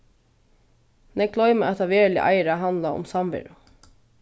nógv gloyma at tað veruliga eigur at handla um samveru